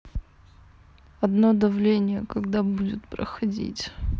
одно давление когда будет проходить